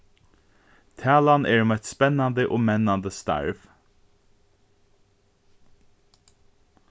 talan er um eitt spennandi og mennandi starv